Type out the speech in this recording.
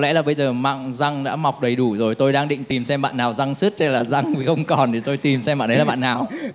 lẽ là bây giờ mặng răng đã mọc đầy đủ rồi tôi đang định tìm xem bạn nào răng sứt hay là răng không còn để tôi tìm xem bạn đấy là bạn nào